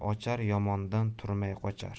ochar yomondan turmay qochar